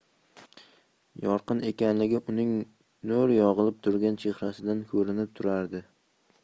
yorqin ekanligi uning nur yog'ilib turgan chehrasidan ko'rinib turardi